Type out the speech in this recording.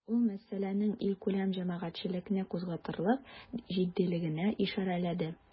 Ул мәсьәләнең илкүләм җәмәгатьчелекне кузгатырлык җитдилегенә ишарәләде.